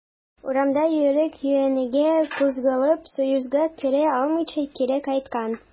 Урамда йөрәк өянәге кузгалып, союзга керә алмыйча, кире кайткан.